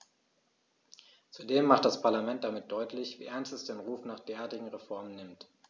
Zudem macht das Parlament damit deutlich, wie ernst es den Ruf nach derartigen Reformen nimmt.